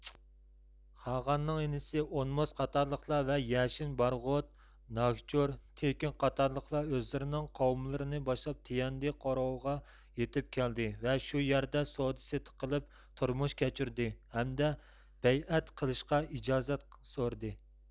قاغاننىڭ ئىنىسى ئونمۇس قاتارلىقلار ۋە يەشىن بارغۇت ناگچۇر تېكىن قاتارلىقلار ئۆزلىرىنىڭ قوۋمىلىرىنى باشلاپ تيەندې قورۇلىغا يېتىپ كەلدى ۋە شۇ يەردە سودا سېتىق قىلىپ تۇرمۇش كەچۈردى ھەمدە بەيئەت قىلىشقا ئىجازەت سورىدى